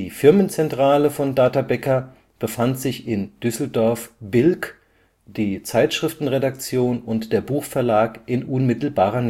Firmenzentrale von Data Becker befand sich in Düsseldorf-Bilk, die Zeitschriftenredaktion und der Buchverlag in unmittelbarer